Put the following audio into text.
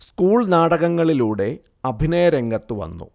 school നാടകങ്ങളിലൂടെ അഭിനയ രംഗത്തു വന്നു